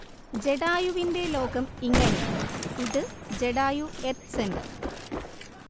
ജടായുവിന്റെ ലോകം ഇങ്ങനെ ഇത് ജടായു എർത്ത് സെന്റർ